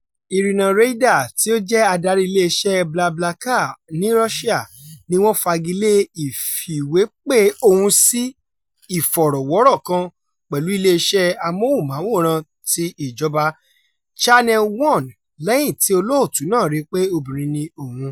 Irina Reyder tí ó jẹ́ adarí iléeṣẹ́ BlaBlaCar ní Russia ní wọ́n fagi lé ìfìwépè òun sí ìfọ̀rọ̀wọ́rọ̀ kan pẹ̀lú iléeṣẹ́ amóhùnmáwòrán-an ti ìjọba, Channel One lẹ́yìn tí olóòtú náà rí i pé obìnrin ni òun.